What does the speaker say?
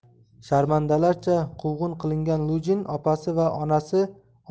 sharmandalarcha quvg'in qilingan lujin opasi va